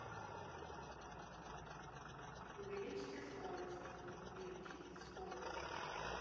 увеличьте скорость увеличить скорость